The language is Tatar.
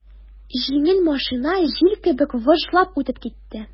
Җиңел машина җил кебек выжлап үтеп китте.